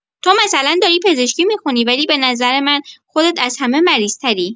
تو مثلا داری پزشکی می‌خونی، ولی به نظر من خودت از همه مریض‌تری.